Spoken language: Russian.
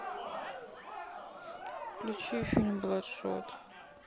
включи фильм бладшот